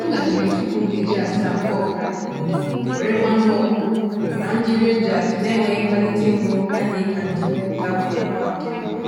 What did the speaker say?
Menga jiri tupu nkeji asaa nke ọkara oge were gbanye ọkpụ, na ndị Rangers n’enweghị mkpalite mmụọ adịghị ka ndị ga-agbanyekwa nke ha.